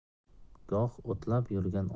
goh o'tlab yurgan